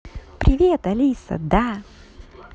привет алиса да